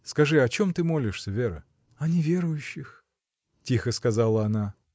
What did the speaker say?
Скажи, о чем ты молишься, Вера? — О неверующих. — тихо сказала она.